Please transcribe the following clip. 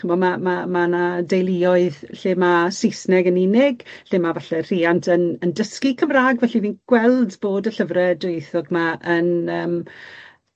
Ch'mo', ma' ma' ma' 'na deuluoedd lle ma' Saesneg yn unig lle ma' falle rhiant yn yn dysgu Cymra'g, felly fi'n gweld bod y llyfre dwyieithog 'ma yn yym